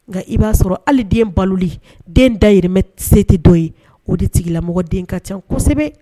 Nka i b'a sɔrɔ hali den baloli den day bɛ se tɛ dɔ ye o de tigilamɔgɔden ka ca kosɛbɛ